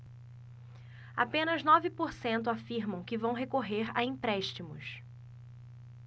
apenas nove por cento afirmam que vão recorrer a empréstimos